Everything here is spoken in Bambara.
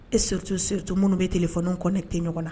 E stu stu minnu bɛ tile fɔ n' kɔn tɛ ɲɔgɔn na